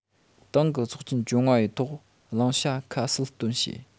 ཏང གི ཚོགས ཆེན བཅོ ལྔ པའི ཐོག བླང བྱ ཁ གསལ བཏོན བྱས